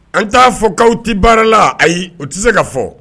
An t'a fɔkaw tɛ baara la ayi o tɛ se ka fɔ